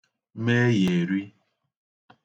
meyèri